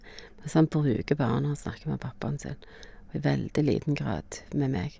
Men som han bruker bare når han snakker med pappaen sin, og i veldig liten grad med meg.